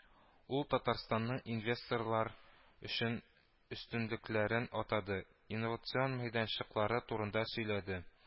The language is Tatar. Ул Татарстанның инвесторлар өчен өстенлекләрен атады, инновацион мәйданчыклары турында сөйләде